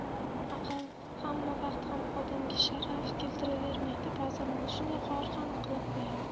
aql hammavaqt ham odamga sharaf keltiravermaydi ba'zan mana shunday xor ham qilib qo'yadi